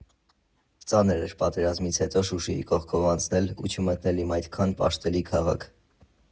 Ծանր էր պատերազմից հետո Շուշիի կողքով անցնել ու չմտնել իմ այդքան պաշտելի քաղաք …